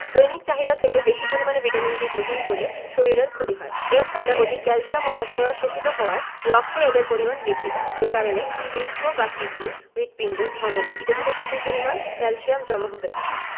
দৈনিক চাহিদা থেকে বেশী পরিমাণে ভিটামিন D গ্রহণ করলে শরীরের ক্ষতি হয় এর ফলে অধিক ক্যালসিয়াম ও ফসফরাস শোষিত হওয়ায় রক্তে এদের পরিমাণ বৃদ্ধি পায় যে কারণে বৃক্ক বা কিডনি হৃৎপিণ্ড ধমনি ইত্যাদিতে প্রচুর পরিমাণে ক্যালসিয়াম জমা হতে থাকে